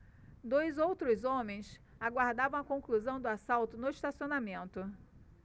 dois outros homens aguardavam a conclusão do assalto no estacionamento